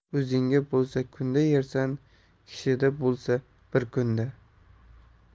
o'zingda bo'lsa kunda yersan kishida bo'lsa bir kunda